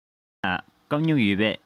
རང ལ སྐམ སྨྱུག ཡོད པས